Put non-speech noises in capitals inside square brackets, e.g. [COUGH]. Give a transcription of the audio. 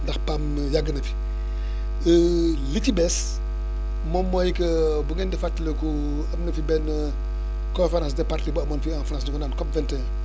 ndax PAM [HESITATION] yàgg na fi [BREATH] [HESITATION] li ci des moom mooy que [HESITATION] bu ngeen di fàttaliku [HESITATION] am na fi benn conférence de parti bu amoon fii en France maanaam COP 21